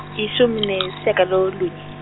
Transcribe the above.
ishumu nesishagalolunye.